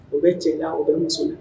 O bɛ cɛ la u bɛ muso la